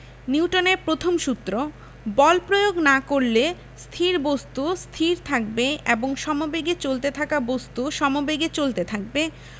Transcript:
নিউটনের প্রথম সূত্র বল প্রয়োগ না করলে স্থির বস্তু স্থির থাকবে এবং সমেবেগে চলতে থাকা বস্তু সমেবেগে চলতে থাকবে